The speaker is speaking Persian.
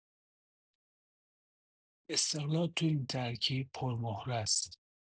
استقلال تو این ترکیب پرمهره ست